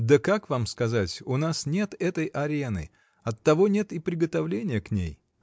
— Да как вам сказать: у нас нет этой арены, оттого нет и приготовления к ней.